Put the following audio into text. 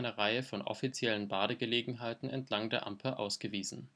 Reihe von offiziellen Badegelegenheiten entlang der Amper ausgewiesen